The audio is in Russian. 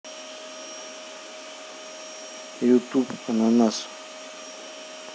ютуб ананас